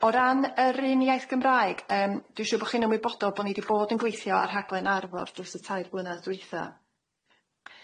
O ran yr un iaith Gymraeg yym dwi'n siŵr bo' chi'n ymwybodol bo' ni di bod yn gweithio ar rhaglen Arfor dros y tair blynedd dwytha.